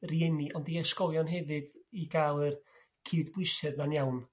rieni ond i ysgolion hefyd i ga'l yr cydbwysedd 'na'n iawn.